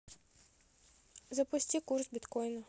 запусти курс биткоина